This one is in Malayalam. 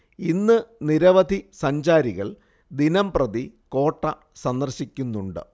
ഇന്ന് നിരവധി സഞ്ചാരികൾ ദിനം പ്രതി കോട്ട സന്ദർശിക്കുന്നുണ്ട്